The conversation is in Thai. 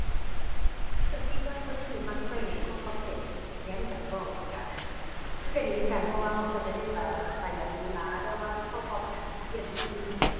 ก็คิดว่าคนที่มักก็ข้อความเสียงแทนการเว้านี่ก็ มันก็ดีคือกัน เพราะว่าก็ก็จะได้ประหวัด ประหยัดเวลา แต่ว่าข้อความมันอาจจะเพี้ยนนิดหนึ่ง